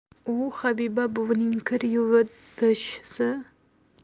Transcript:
u habiba buvining kir yuvdisi